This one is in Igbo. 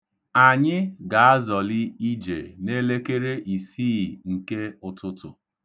Anyị ga-azọli ije n'elekere isii nke ụtụtụ.